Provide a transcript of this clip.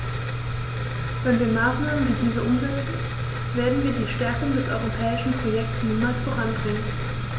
Wenn wir Maßnahmen wie diese umsetzen, werden wir die Stärkung des europäischen Projekts niemals voranbringen.